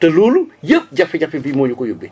te loolu yëpp jafe-jafe bii moo ñu ko yóbbee